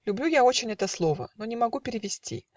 Люблю я очень это слово, Но не могу перевести